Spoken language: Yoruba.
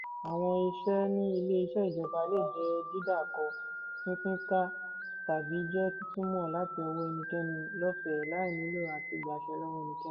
Àwọn iṣẹ́ ní ilé iṣẹ́ ìjọba le jẹ́ dídàkọ, pínpínká, tàbí jẹ́ títúmọ̀ láti ọwọ́ ẹnikẹ́ni lófẹ̀ẹ́ láì nílò àti gbàṣẹ lọ́wọ́ ẹnikẹ́ni.